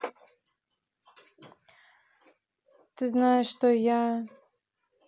ты знаешь кто я